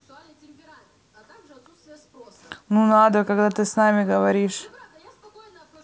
ну надо когда ты с нами говоришь